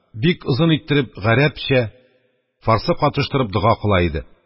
Бик озын иттереп, гарәпчә, фарсы катыштырып, дога кыла иде.